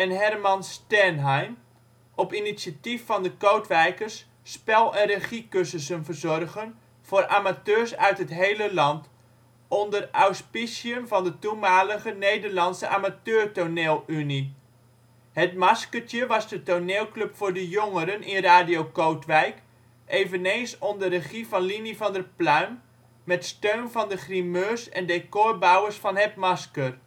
Herman Sternheim) op initiatief van de Kootwijkers spel - en regiecursussen verzorgen voor amateurs uit het hele land, onder auspiciën van de toenmalige Nederlandse Amateur Toneel Unie (NATU). Het Maskertje was de toneelclub voor de jongeren in Radio Kootwijk, eveneens onder regie van Linie van der Pluijm, met steun van de grimeurs en decorbouwers van Het Masker